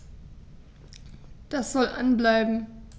Das soll an bleiben.